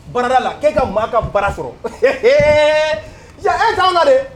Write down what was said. Balada la k'e ka maa ka baara sɔrɔ e de